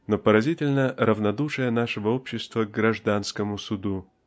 Но поразительно равнодушие нашего общества к гражданскому суду.